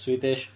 Swedish?